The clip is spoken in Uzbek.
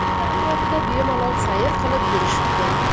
endi atrofida bemalol sayr qilib yurishibdi